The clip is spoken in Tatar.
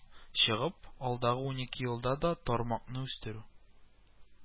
Чыгып, алдагы унике елда да тармакны үстерү